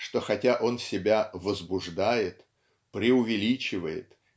что хотя он себя возбуждает преувеличивает